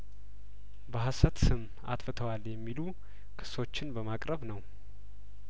በሀሰት ስም አጥፍተዋል የሚሉ ክሶችን በማቅረብ ነው